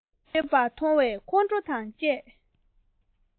ཉལ ཡོད པ མཐོང བས ཁོང ཁྲོ དང བཅས